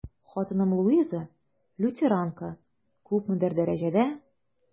Хатыным Луиза, лютеранка, күпмедер дәрәҗәдә...